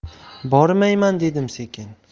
bormayman dedim sekin